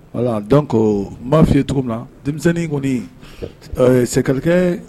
Wala dɔn ko n m'a f yen cogo min na denmisɛnninnin kɔni sekɛ